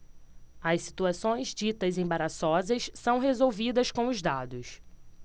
as situações ditas embaraçosas são resolvidas com os dados